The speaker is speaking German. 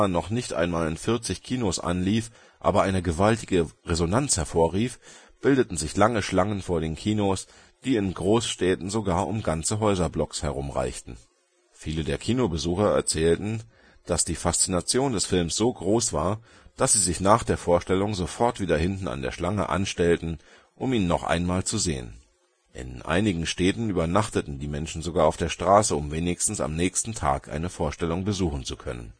noch nicht einmal in 40 Kinos anlief, aber eine gewaltige Resonanz hervorrief, bildeten sich lange Schlangen vor den Kinos, die in Großstädten sogar um ganze Häuserblocks herumreichten. Viele der Kinobesucher erzählten, dass die Faszination des Films so groß war, dass sie sich nach der Vorstellung sofort wieder hinten an der Schlange anstellten, um ihn noch einmal zu sehen. In einigen Städten übernachteten die Menschen sogar auf der Straße, um wenigstens am nächsten Tag eine Vorstellung besuchen zu können